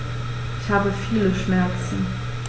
Ich habe viele Schmerzen.